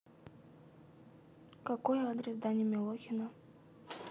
какой адрес дани милохина